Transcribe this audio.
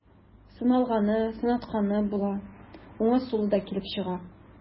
Сыналганы, сынатканы була, уңы, сулы да килеп чыга.